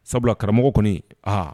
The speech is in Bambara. Sabula karamɔgɔ kɔni aa